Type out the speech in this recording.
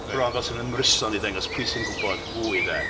Bron fel 'sa 'na ymryson i ddangos pwy sy'n gwybod fwy 'de.